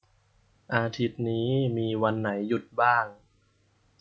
อาทิตย์นี้มีวันไหนหยุดบ้าง